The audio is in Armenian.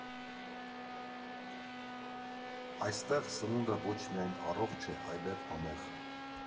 Այստեղ սնունդը ոչ միայն առողջ է, այլև՝ համեղ։